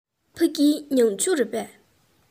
ཕ གི མྱང ཆུ རེད པས